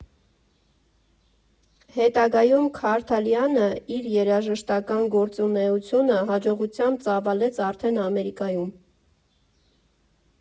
Հետագայում Քարթալյանն իր երաժշտական գործունեությունը հաջողությամբ ծավալեց արդեն Ամերիկայում։